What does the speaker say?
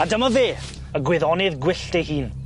A dyma fe, y gwyddonydd gwyllt ei hun.